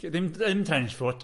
Ddim ddim trench foot.